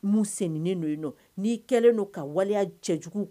N'u seninen don yen ninɔ, ɔn'i kɛlen don ka waleya cɛjugu